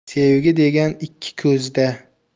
sevgi degan ikki ko'zda